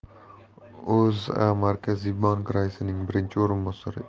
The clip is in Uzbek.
o'zamarkaziy bank raisining birinchi o'rinbosari